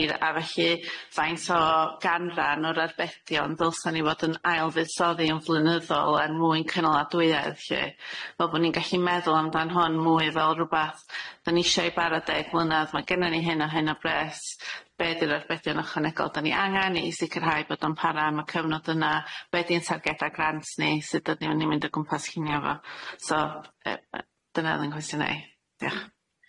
A felly faint o ganran o'r arbedion ddylsan ni fod yn ail fuddsoddi yn flynyddol er mwyn cynaladwyedd lly, fel bo' ni'n gallu meddwl amdan hwn mwy fel rwbath da nisio i barod deg mlynadd ma' gennon ni hyn o hyn o bres, be' 'di'r arbedion ychwanegol da ni angan i sicrhau bod o'n para am y cyfnod yna be di'n targeda grant ni, sut ydyn ni mynd o gwmpas llunio fo so dyna o'dd 'yn cwestiynna i. Diolch.